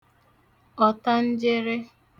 ọ̀tanjere